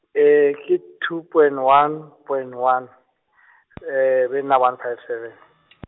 ee ke two point one, point one, e be e nna one five seve-.